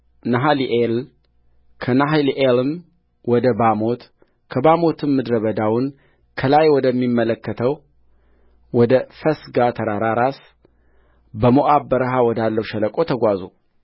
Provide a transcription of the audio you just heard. ነሃሊኤል ከነሃሊኤልም ወደ ባሞትከባሞትም ምድረ በዳውን ከላይ ወደሚመለከተው ወደ ፈስጋ ተራራ ራስ በሞዓብ በረሀ ወዳለው ሸለቆ ተጓዙ